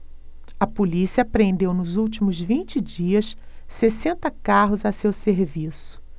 a polícia apreendeu nos últimos vinte dias sessenta carros a seu serviço